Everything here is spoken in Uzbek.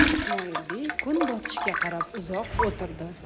ismoilbey kunbotishga qarab uzoq o'tirdi